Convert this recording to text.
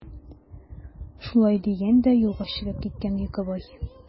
Шулай дигән дә юлга чыгып киткән Йокыбай.